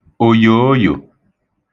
oyooyo